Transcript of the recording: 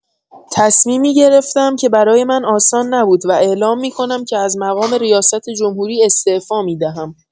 تصمیمی گرفته‌ام که برای من آسان نبود و اعلام می‌کنم که از مقام ریاست‌جمهوری استعفا می‌دهم.